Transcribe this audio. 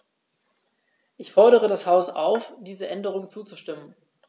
Ich fordere das Haus auf, diesen Änderungen zuzustimmen.